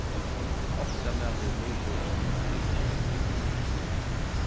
ofta mælir muður og fylgir ikki eftir hugur